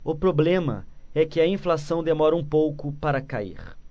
o problema é que a inflação demora um pouco para cair